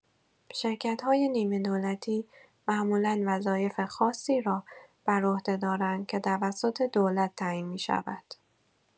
شرکت‌های نیمه‌دولتی معمولا وظایف خاصی را بر عهده دارند که توسط دولت تعیین می‌شود.